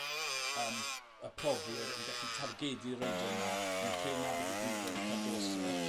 ym y profwyr yn gallu targedu reidiwr 'na fi'n credu 'na be' digwyddodd i Cardoso